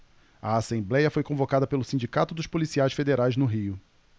a assembléia foi convocada pelo sindicato dos policiais federais no rio